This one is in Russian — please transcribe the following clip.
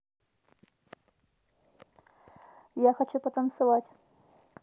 я хочу потанцевать